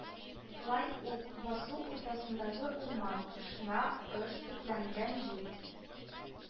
Лай ук «басу уртасындагы урман»), ышна, ыш «төпләнгән җир»